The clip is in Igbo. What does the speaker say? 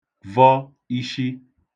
vọ ishī